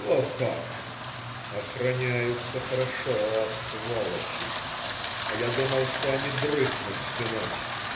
- "Вот как, - охраняются хорошо, сволочи, а я думал, что они дрыхнут всю ночь.